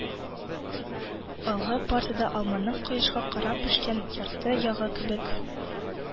Алгы партада алманың кояшка карап пешкән ярты ягы кебек